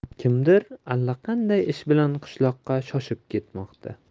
kimdir allaqanday ish bilan qishloqqa shoshib ketmoqda